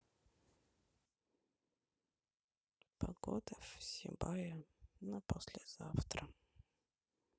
погода в сибая на послезавтра